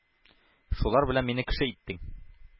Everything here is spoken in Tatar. Шулар белән мине кеше иттең,